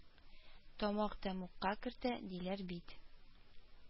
Тамак тәмугка кертә, диләр бит